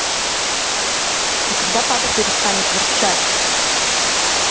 а когда папа перестанет ворчать